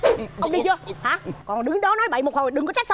ông đi chưa hả còn đứng đó nói bậy một hồi đừng có trách